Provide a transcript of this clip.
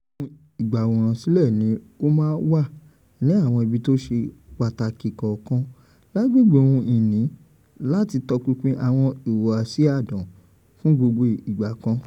Àwọn ohun ìgbàwòrán sílẹ̀ ní ó máa wà ní àwọn ibí tó ṣe pàtàkì kọ̀ọ̀kan lágbègbè ohun ìní láti tọpinpin àwọn ìhùwàsí àdan fún gbogbo ìgbà kan.